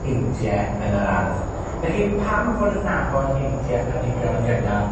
heintie yn yr ardd. Felly pam fod adnabod heintie planhigion yn gynnar